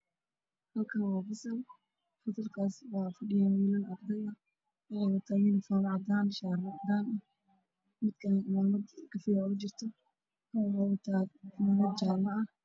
Halkaan waa fasal waxaa joogo wiilal arday ah waxay wataan yunifon cadaan ah, shaar cadaan ah, cimaamad kafay ah, midna cimaamad jaale ah.